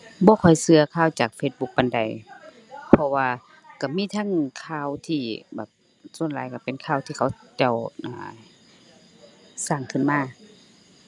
บ่ค่อยเชื่อข่าวจาก Facebook ปานใด เพราะว่าเชื่อมีทั้งข่าวที่บักส่วนหลายเชื่อเป็นข่าวที่เขาเจ้า อ่า สร้างขึ้นมา